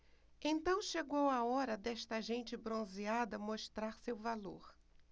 então chegou a hora desta gente bronzeada mostrar seu valor